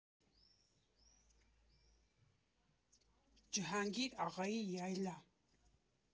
Ջհանգիր աղայի յայլա։